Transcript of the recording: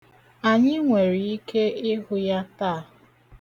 Anyị nwere ike ịhụ ya taa.